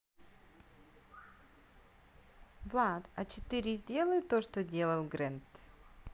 влад а четыре сделай то что делать grand